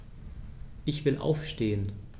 Ich will aufstehen.